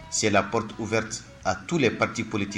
Se p uɛ a tu la patiolitigi